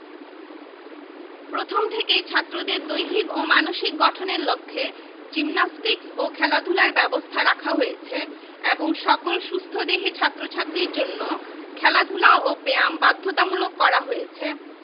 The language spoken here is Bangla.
ঢাকা শহরের অন্যতম বৃহদায়তন উক্ত অডিটোরিয়ামে দেশীয় ও আন্তর্জাতিক প্রশিক্ষণ বিষয়ক কনফারেন্সের আয়োজন করা হয়